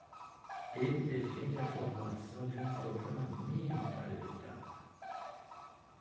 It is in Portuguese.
ele defende a formulação de um programa mínimo para evitá-la